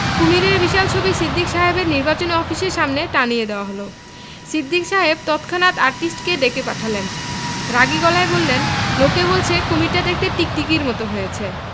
কুশীবের বিশাল ছবি সিদ্দিক সাহেবের নির্বাচনী অফিসের সামনে টানিয়ে দেয়া হল সিদ্দিক সাহেব তৎক্ষণাৎ আর্টিস্টকে ডেকে পাঠালেন রাগী গলায় বললেন লোকে বলছে কুমীরটা দেখতে টিকটিকির মত হয়েছে